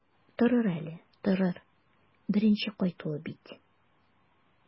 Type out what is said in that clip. Торыр әле, торыр, беренче кайтуы бит.